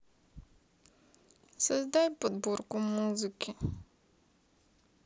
создай подборку музыки